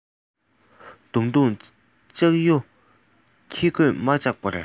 བརྡུངས བརྡུངས ལྕག ཡུ ཁྱི མགོས མ བཅག པར